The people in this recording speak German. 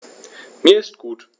Mir ist gut.